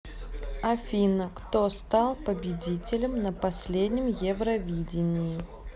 афина кто стал победителем на последнем евровидении